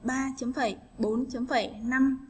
ba chấm phẩy chấm phẩy